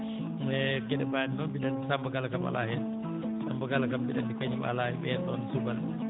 e geɗe mbaaɗe noon mbiɗa anndi Samba Kala kam alaa heen Samba Kala kam mbiɗa anndi kañum alaa e ɓeen ɗoon subalɓe